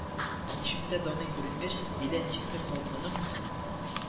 Ишектә Данил күренгәч, Дилә ничектер талпынып